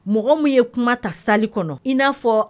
Mɔgɔ min ye kuma ta sali kɔnɔ in n'a fɔ